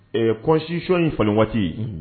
Ɛɛ ko sision in falen waati